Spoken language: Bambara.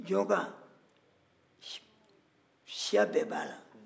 jɔka siya bɛɛ b'a la